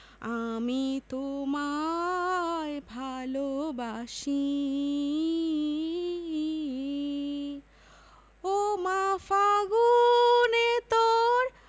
আমি তোমায় ভালোবাসি ওমা ফাগুনে তোর